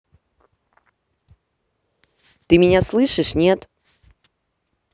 ты меня слышишь нет